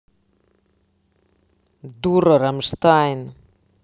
дура rammstein